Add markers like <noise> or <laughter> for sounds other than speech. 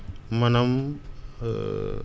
maanaam <hesitation>